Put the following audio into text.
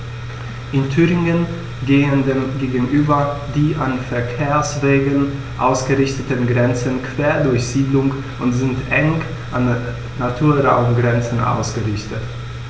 In Thüringen gehen dem gegenüber die an Verkehrswegen ausgerichteten Grenzen quer durch Siedlungen und sind eng an Naturraumgrenzen ausgerichtet.